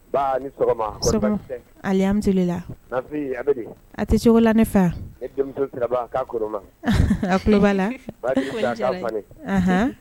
Ti a tɛ la ne fa